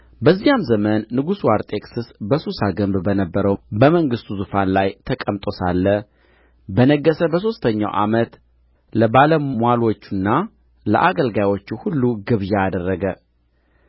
በዚያም ዘመን ንጉሡ አርጤክስስ በሱሳ ግንብ በነበረው በመንግሥቱ ዙፋን ላይ ተቀምጦ ሳለ በነገሠ በሦስተኛው ዓመት ለባለምዋሎቹና ለአገልጋዮቹ ሁሉ ግብዣ አደረገ